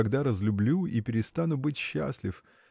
когда разлюблю и перестану быть счастлив